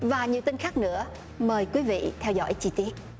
và nhiều tin khác nữa mời quý vị theo dõi chi tiết